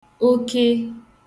oke